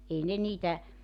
ei ne niitä